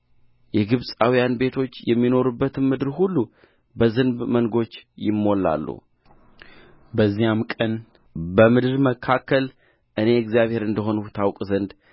የግብፃውያን ቤቶች የሚኖሩባትም ምድር ሁሉ በዝንብ መንጎች ይሞላሉ በዚያን ቀን በምድር መካከል እኔ እግዚአብሔር እንደሆንሁ ታውቅ ዘንድ